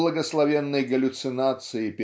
в благословенной галлюцинации